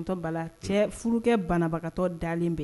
N bala cɛ furukɛ banabagatɔ dalen bɛɛ